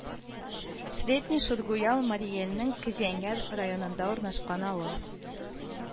Средний Шургуял Мари Илнең Көҗәңәр районында урнашкан авыл